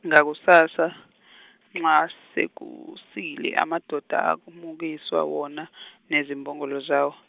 ngakusasa , nxa sekusile amadoda amukiswa wona nezimbongolo zawo.